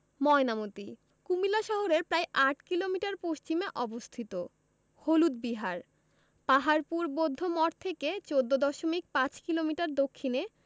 ময়নামতি কুমিল্লা শহরের প্রায় ৮ কিলোমিটার পশ্চিমে অবস্থিত হলুদ বিহার পাহাড়পুর বৌদ্ধমঠ থেকে ১৪দশমিক ৫ কিলোমিটার দক্ষিণে